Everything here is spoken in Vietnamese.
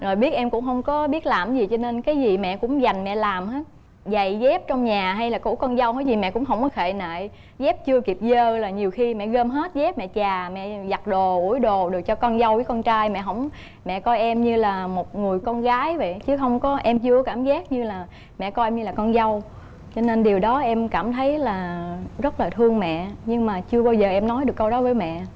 rồi biết em cũng không có biết làm gì cho nên cái gì mẹ cũng giành mẹ làm hết giày dép trong nhà hay là phụ con dâu cái gì mẹ cũng không khệ nệ dép chưa kịp giơ là nhiều khi mẹ gom hết dép mẹ chà mẹ giặt đồ ủi đồ cho con dâu với con trai mẹ hổng mẹ coi em như là một người con gái vậy chứ không có em chưa có cảm giác như là mẹ coi em như là con dâu cho nên điều đó em cảm thấy là rất là thương mẹ nhưng mà chưa bao giờ em nói được câu đó với mẹ